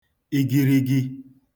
igirigi